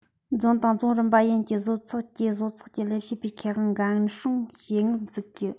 རྫོང དང རྫོང རིམ པ ཡན གྱི བཟོ ཚོགས ཀྱིས བཟོ ཚོགས ཀྱི ལས བྱེད པའི ཁེ དབང འགན སྲུང བྱེད དངུལ འཛུགས རྒྱུ